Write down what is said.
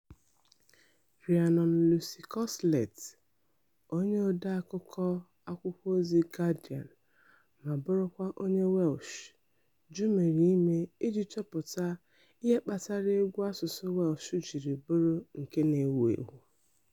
Rhiannon Lucy Cosslett, onye odeakụkọ akwụkwọozi Guardian ma bụrụkwa onye Welsh, jụmiri ime iji chọpụta ihe kpatara egwu asụsụ Welsh ji bụrụ nke na-ewu ewu.